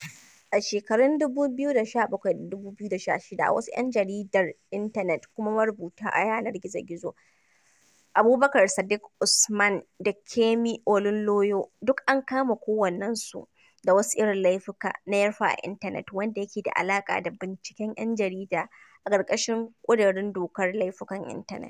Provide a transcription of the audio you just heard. A shekarun 2017 da 2016, wasu 'yan jaridar intanet kuma marubuta a yanar gizo, Abubakar Sidiƙ Usman da Kemi Olunloyo duk an kama kowannensu da wasu irin laifuka na yarfe a intanet wanda yake da alaƙa da binciken 'yan jarida a ƙarƙashin ƙudurin dokar laifukan intanet.